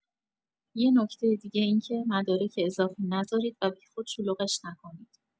یه نکته دیگه اینکه مدارک اضافی نزارید و بیخود شلوغش نکنید